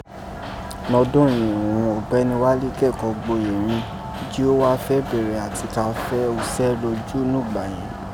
Nọdọ́n yẹ̀n òghun Ọgbẹni Wálé kẹkọọ gboye rin jí ó wá fẹ bẹrẹ ati ka fe usẹ loju nùgbà yẹ̀n.